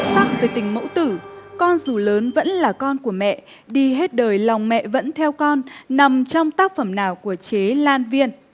sắc về tình mẫu tử con dù lớn vẫn là con của mẹ đi hết đời lòng mẹ vẫn theo con nằm trong tác phẩm nào của chế lan viên